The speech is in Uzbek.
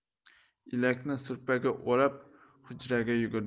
elakni supraga o'rab hujraga yugurdi